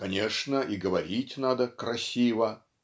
конечно, и говорить надо красиво".